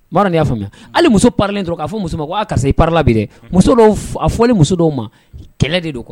Y'a faamuya hali musoralen dɔrɔn k'a fɔ muso ma ko karisala bi dɛ a fɔli muso dɔw ma kɛlɛ de don kuwa